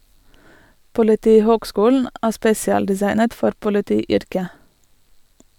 - Politihøgskolen er spesialdesignet for politiyrket.